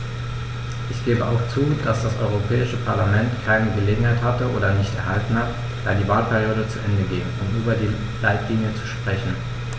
Ich gebe auch zu, dass das Europäische Parlament keine Gelegenheit hatte - oder nicht erhalten hat, da die Wahlperiode zu Ende ging -, um über die Leitlinien zu sprechen.